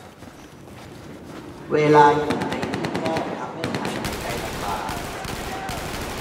เวลาอยู่ในที่แคบทำให้ฉันหายใจลำบาก